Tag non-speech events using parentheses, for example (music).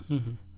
(hesitation) (hesitation)